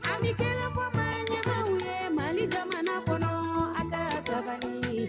An' bi 1 fɔ maa ɲɛmaw ye Mali jamana kɔnɔɔ a' kaa sabali